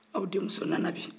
aw denmuso nana bi